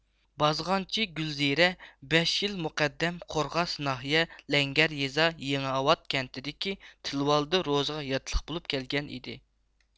بازغانچى گۈلزىرە بەش يىل مۇقەددەم قورغاس ناھىيە لەڭگەر يېزا يېڭىئاۋات كەنتىدىكى تىلىۋالدى روزىغا ياتلىق بولۇپ كەلگەنىدى